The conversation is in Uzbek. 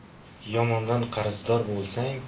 yomondan qarzdor bo'lsang